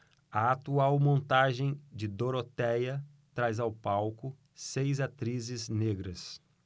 a atual montagem de dorotéia traz ao palco seis atrizes negras